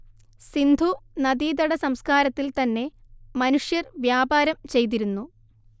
സിന്ധു നദീതടസംസ്കാരത്തിൽ തന്നെ മനുഷ്യർ വ്യാപാരം ചെയ്തിരുന്നു